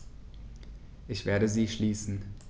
Ich werde sie schließen.